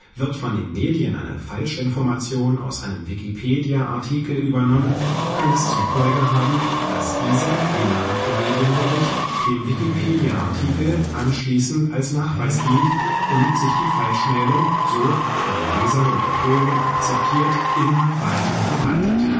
Wird von den Medien eine Falschinformation aus einem Wikipedia-Artikel übernommen, kann das zur Folge haben, dass dieser fehlerhafte Medienbericht dem Wikipedia-Artikel anschließend als Nachweis dient und sich die Falschmeldung so – von Lesern und Autoren akzeptiert − immer weiter verbreitet